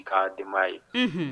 K'a denbaya ye, unhun.